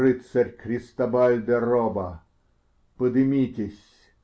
Рыцарь Кристобаль де Роба, подымитесь.